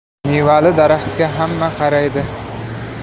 mevali daraxtga hamma qaraydi